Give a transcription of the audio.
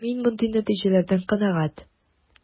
Мин мондый нәтиҗәләрдән канәгать.